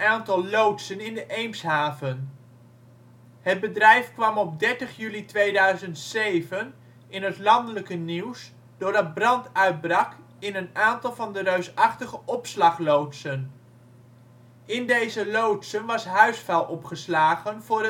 aantal loodsen in de Eemshaven. Het bedrijf kwam op 30 juli 2007 in het landelijke nieuws doordat brand uitbrak in een aantal van de reusachtige opslagloodsen. In deze loodsen was huisvuil opgelagen voor